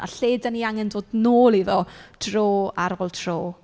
A lle dan ni angen dod nôl iddo dro ar ôl tro.